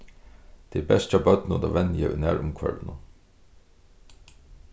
tað er best hjá børnum at venja í nærumhvørvinum